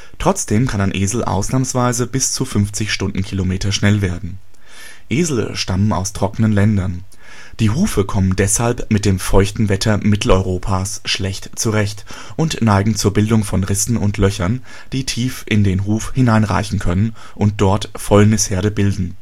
Trotzdem kann ein Esel ausnahmsweise bis zu 50 km/h schnell werden. Esel stammen aus trockenen Ländern. Die Hufe kommen deshalb mit dem feuchten Wetter Mitteleuropas schlecht zurecht und neigen zur Bildung von Rissen und Löchern, die tief in den Huf hineinreichen können und dort Fäulnisherde bilden